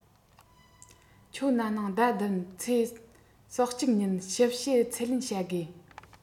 ཁྱོད ན ནིང ཟླ ༧ ཚེས ༣༡ ཉིན ཞིབ དཔྱད ཚད ལེན བྱ དགོས